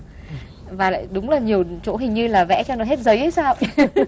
và lại đúng là nhiều chỗ hình như là vẽ cho nó hết giấy hay sao